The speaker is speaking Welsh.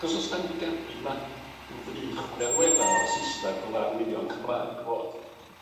Achos os 'dan ni'n derbyn ma' ryw ddrych ddelwedda' o'r Sysnag fel arwyddion Cymraeg fod,